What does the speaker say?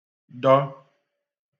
dọ